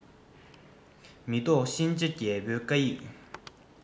མི བཟློག གཤིན རྗེ རྒྱལ པོའི བཀའ ཡིག